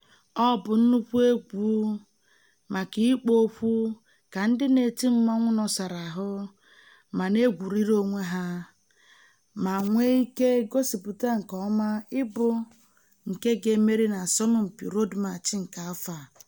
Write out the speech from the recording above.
Ọ bụ nnukwu egwu maka ikpo okwu ka ndị na-eti mmanwụ nọsara ahụ ma “na-egwuriri onwe ha”, ma nwee ike gosipụta nke ọma ịbụ nke ga-emeri n'asọmpị Road March nke afọ a.